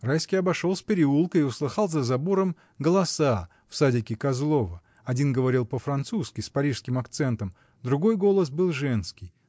Райский обошел с переулка и услыхал за забором голоса в садике Козлова: один говорил по-французски, с парижским акцентом, другой голос был женский.